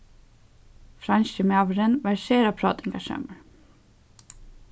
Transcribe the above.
franski maðurin var sera prátingarsamur